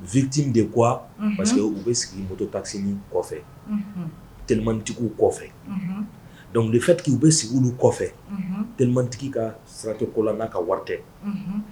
Victime de quoi , unhun, parce que u bɛ sigi mutotakisinin kɔfɛ, unhun, telimantigiw kɔfɛ, unhun, , donc le fai que u bɛ sigi olu kɔfɛ, unhun, telimaniigi ka sira tɛ ko la n'a ka wari tɛ., unhun.